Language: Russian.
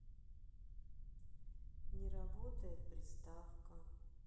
не работает приставка